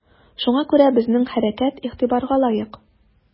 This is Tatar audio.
Шуңа күрә безнең хәрәкәт игътибарга лаек.